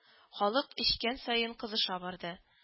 Халык эчкән саен кызыша барды